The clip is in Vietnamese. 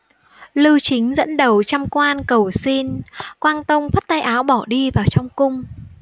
lưu chính dẫn đầu trăm quan cầu xin quang tông phất tay áo bỏ đi vào trong cung